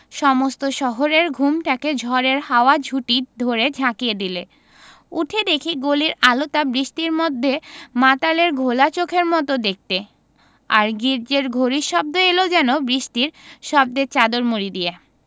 সমস্ত শহরের ঘুমটাকে ঝড়ের হাওয়া ঝুঁটি ধরে ঝাঁকিয়ে দিলে উঠে দেখি গলির আলোটা বৃষ্টির মধ্যে মাতালের ঘোলা চোখের মত দেখতে আর গির্জ্জের ঘড়ির শব্দ এল যেন বৃষ্টির শব্দের চাদর মুড়ি দিয়ে